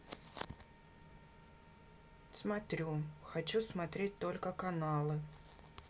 смотрю хочу смотреть только каналы